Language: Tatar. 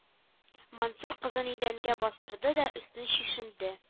Мансур кызын идәнгә бастырды да өстен чишенде